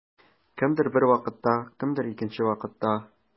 Кемдер бер вакытта, кемдер икенче вакытта.